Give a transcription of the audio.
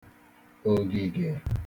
ògìgè